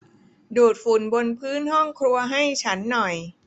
ดูดฝุ่นบนพื้นห้องครัวให้ฉันหน่อย